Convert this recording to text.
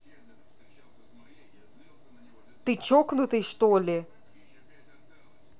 ты чокнутый что ли